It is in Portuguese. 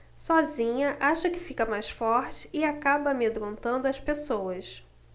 sozinha acha que fica mais forte e acaba amedrontando as pessoas